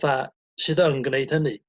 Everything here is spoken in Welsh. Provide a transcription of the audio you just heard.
fatha sydd yn gneud hynny?